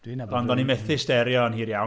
Ond o'n i'n methu sterio yn hir iawn.